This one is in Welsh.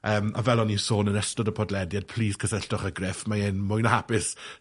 Yym, a fel o'n i'n sôn yn ystod y podlediad, plis cysylltwch â Gruff, mae e'n mwy na hapus